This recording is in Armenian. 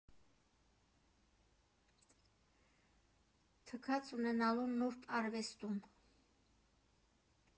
Թքած ունենալու նուրբ արվեստում։